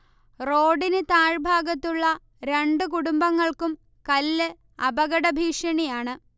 റോഡിന് താഴ്ഭാഗത്തുള്ള രണ്ട് കുടുംബങ്ങൾക്കും കല്ല് അപകടഭീഷണിയാണ്